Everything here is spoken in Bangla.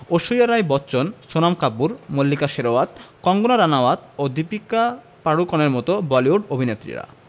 ঐশ্বরিয়া রাই বচ্চন সোনম কাপুর মল্লিকা শেরওয়াত কঙ্গনা রানাউত ও দীপিকা পাড়কোনের মতো বলিউড অভিনেত্রীরা